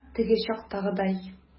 Нәкъ теге чактагыдай.